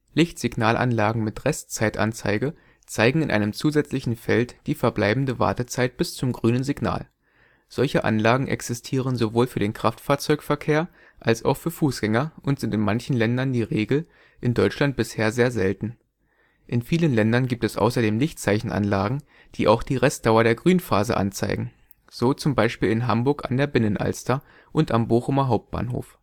Lichtsignalanlagen mit Restzeitanzeige zeigen in einem zusätzlichen Feld die verbleibende Wartezeit bis zum grünen Signal. Solche Anlagen existieren sowohl für den Kraftfahrzeugverkehr als auch für Fußgänger und sind in manchen Ländern die Regel, in Deutschland bisher sehr selten. In vielen Ländern gibt es außerdem Lichtzeichenanlagen, die auch die Restdauer der Grünphase anzeigen, so z. B. in Hamburg an der Binnenalster und am Bochumer Hauptbahnhof